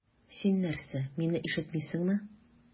Син нәрсә, мине ишетмисеңме?